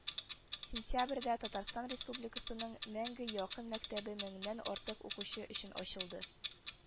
Сентябрьдә татарстан республикасының меңгә якын мәктәбе меңнән артык укучы өчен ачылды